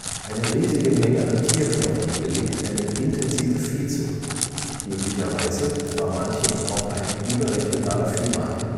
Eine riesige Menge an Tierknochen belegt eine intensive Viehzucht, möglicherweise war Manching auch ein überregionaler Viehmarkt